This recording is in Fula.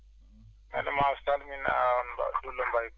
kadi ma salimina Abdoul Mbaye